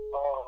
awo